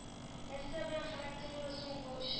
Нәрсә белән характерлы соң бу чы